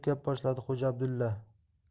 gap boshladi xo'ja abdulla